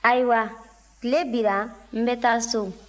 ayiwa tile bira n bɛ taa so